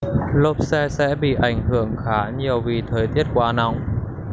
lốp xe sẽ bị ảnh hưởng khá nhiều vì thời tiết quá nóng